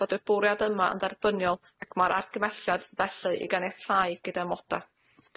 fod y bwriad yma yn dderbyniol ac mae'r argymelliad felly i ganiatáu gyda 'moda.